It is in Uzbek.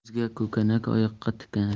ko'zga ko'kanak oyoqqa tikanak